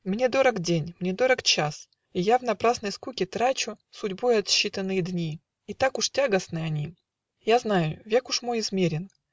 Мне дорог день, мне дорог час: А я в напрасной скуке трачу Судьбой отсчитанные дни. И так уж тягостны они. Я знаю: век уж мой измерен